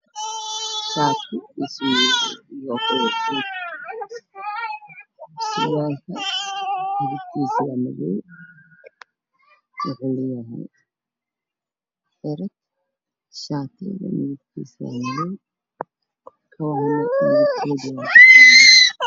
Meeshaan waxaa yaalo shati iyo surwaal iyo kabo cadaan ah shaatigiisu midabkoodu waa buluug